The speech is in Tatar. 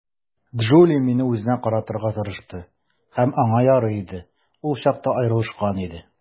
Джули мине үзенә каратырга тырышты, һәм аңа ярый иде - ул чакта аерылышкан иде.